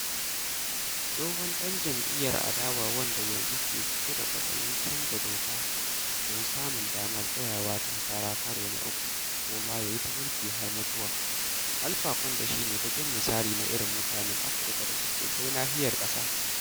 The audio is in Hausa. Tsohon ɗan jam'iyyar adawa wanda a yanzu ke cike da kwaɗayin chanja doka don samun damar tsayawa takara a karo na uku ko ma ya yi ta mulkin har mutuwa, Alpha Conde shi ne baƙin misali na irin mutanen Afirka da suke kai nahiyar ƙasa